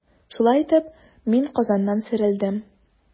Шулай итеп, мин Казаннан сөрелдем.